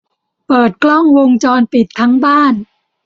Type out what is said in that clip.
เปิดกล้องวงจรปิดทั้งบ้าน